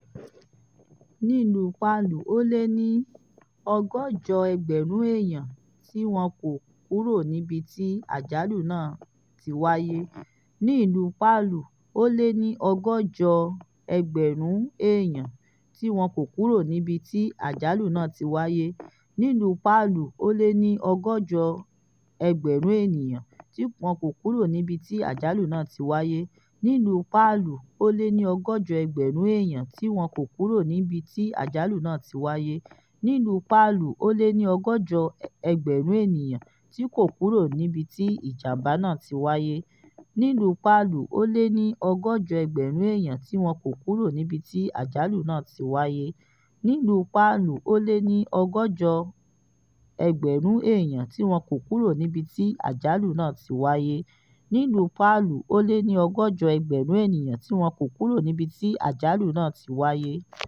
Nílùú Palu, ó lé ní 16,000 èèyàn tí wọ́n kó kúrò níbi tí àjálù náà ti wáyé.